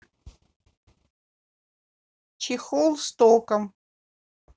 чехол с током